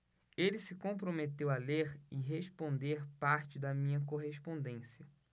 ele se comprometeu a ler e responder parte da minha correspondência